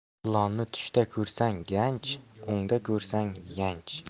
ilonni tushda ko'rsang ganj o'ngda ko'rsang yanch